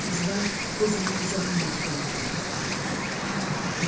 yuzidan ko'zimni uza olmay tikilib turdim